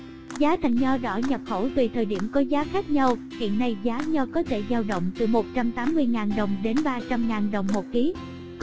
giá thành nho đỏ nhập khẩu tùy thời điểm có giá khác nhau hiện nay giá nho có thể dao động từ ngàn đồng đến ngàn đồng kí